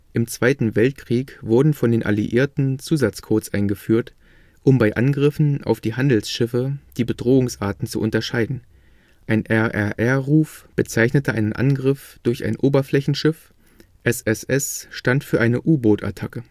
Im Zweiten Weltkrieg wurden von den Alliierten Zusatz-Codes eingeführt, um bei Angriffen auf die Handelsschiffe die Bedrohungsarten zu unterscheiden; ein RRR-Ruf bezeichnete einen Angriff durch ein Oberflächenschiff, SSS stand für eine U-Boot-Attacke